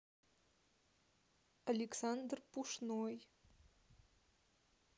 александр пушной